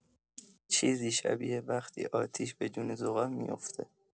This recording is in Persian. چیزی شبیه وقتی آتیش به جون زغال میوفته.